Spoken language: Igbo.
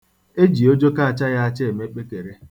E ji ojoko achaghị acha eme kpekere.